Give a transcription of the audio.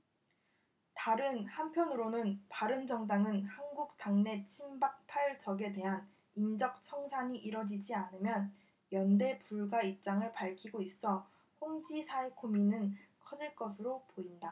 다른 한편으로는 바른정당은 한국당내 친박 팔 적에 대한 인적청산이 이뤄지지 않으면 연대 불가 입장을 밝히고 있어 홍 지사의 고민은 커질 것으로 보인다